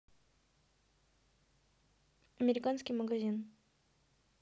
американский магазин